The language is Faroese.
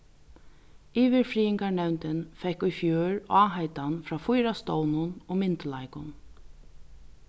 yvirfriðingarnevndin fekk í fjør áheitan frá fýra stovnum og myndugleikum